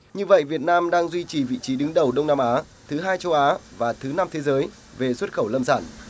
như vậy việt nam đang duy trì vị trí đứng đầu đông nam á thứ hai châu á và thứ năm thế giới về xuất khẩu lâm sản